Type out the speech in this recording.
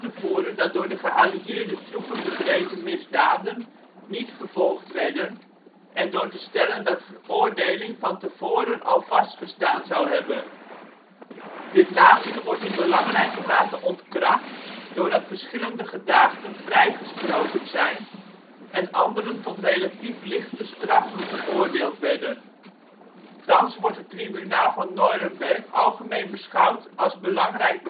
voeren dat door de geallieerde troepen bedreven misdaden niet vervolgd werden, en door te stellen dat veroordeling van tevoren al vastgestaan zou hebben. Dit laatste wordt in belangrijke mate ontkracht doordat verschillende gedaagden vrijgesproken zijn en anderen tot relatief lichte straffen veroordeeld werden. Thans wordt het Tribunaal van Neurenberg algemeen beschouwd als belangrijk beginpunt